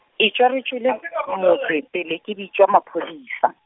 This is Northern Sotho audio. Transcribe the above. etšwa re tšwele, a motse pele ke bitša maphodisa.